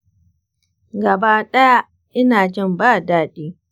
gaba-ɗaya ina jin ba daɗi.